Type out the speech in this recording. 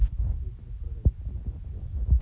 песня про родителей до слез